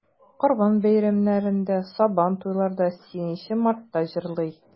Корбан бәйрәмнәрендә, Сабантуйларда, 8 Мартта җырлый.